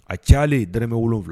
A calen dmɛ wolowula